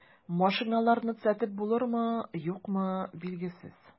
Машиналарны төзәтеп булырмы, юкмы, билгесез.